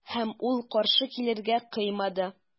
Һәм ул каршы килергә кыймады.